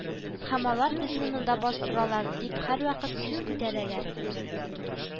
Һәм алар, безне монда бастыралар, дип һәрвакыт сүз күтәрәләр